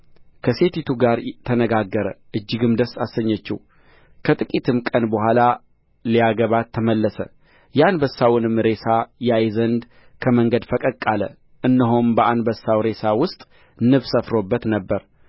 ከሴቲቱ ጋር ተነጋገረ እጅግም ደስ አሰኘችው ከጥቂትም ቀን በኋላ ሊያገባት ተመለሰ የአንበሳውንም ሬሳ ያይ ዘንድ ከመንገድ ፈቀቅ አለ እነሆም በአንበሳው ሬሳ ውስጥ ንብ ሰፍሮበት ነበር